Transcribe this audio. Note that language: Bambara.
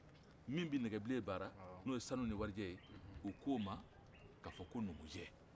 min bɛ nɛgɛbilen baara n'o ye sanu ni warijɛ ye o k'o ma k'a fɔ ko numujɛ